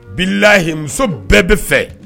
Bi lahimuso bɛɛ bɛ fɛ